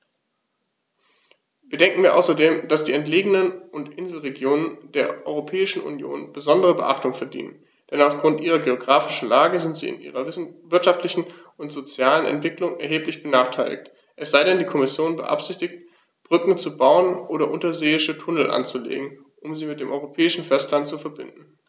Bedenken wir außerdem, dass die entlegenen und Inselregionen der Europäischen Union besondere Beachtung verdienen, denn auf Grund ihrer geographischen Lage sind sie in ihrer wirtschaftlichen und sozialen Entwicklung erheblich benachteiligt - es sei denn, die Kommission beabsichtigt, Brücken zu bauen oder unterseeische Tunnel anzulegen, um sie mit dem europäischen Festland zu verbinden.